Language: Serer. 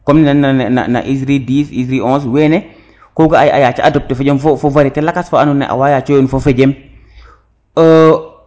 comme nene te nana na Izri dix Izri onze wene ko ga a ye a yaca adapter fojem fo varieté lakas fa ando naye awa yaco yoon fo fojem